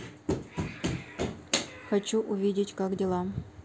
хочу увидеть как дела